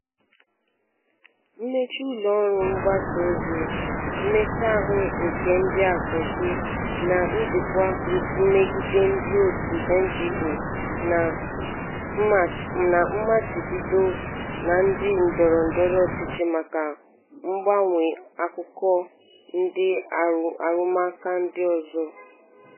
Mmechi ụlọọrụ mgbasaozi, mmekpaahụ nke ndị asọmpi, na njikwa megide ndị òtù NGO na mmachibido n'ebe ndọrọndọrọ ọchịchị maka mgbanwe akụkọ na arụmụka ndị ọzọ.